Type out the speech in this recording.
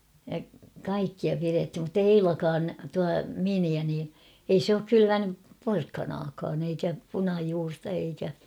ja kaikkia pidettiin mutta ei Eilakaan tuo miniä niin ei se ole kylvänyt porkkanaakaan eikä punajuurta eikä